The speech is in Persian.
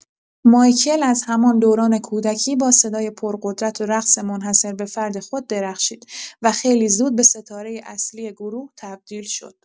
مایکل از همان دوران کودکی با صدای پرقدرت و رقص منحصر به فرد خود درخشید و خیلی زود به ستاره اصلی گروه تبدیل شد.